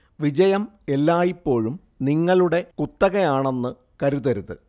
വിജയം എല്ലായിപ്പോഴും നിങ്ങളുടെ കുത്തകയാണെന്ന് കരുതരുത്